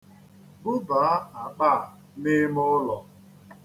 Bubaa akpa a n'ime ụlọ.